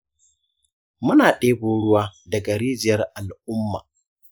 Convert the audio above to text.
muna ɗebo ruwa daga rijiyar al'umma.